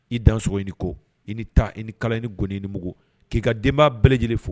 I danso i ni ko i ni taa i ni kala ni gi ni mugu k'i ka denba bɛɛ lajɛlen fo